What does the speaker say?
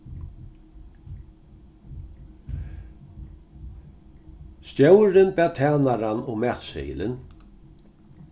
stjórin bað tænaran um matseðilin